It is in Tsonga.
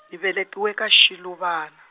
ni velekiwe ka xiluvana.